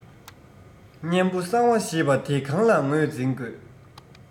གཉན པོ གསང བ ཞེས པ དེ གང ལ ངོས འཛིན དགོས